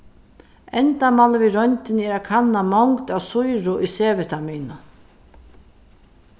endamálið við royndini er at kanna mongd av sýru í c-vitaminum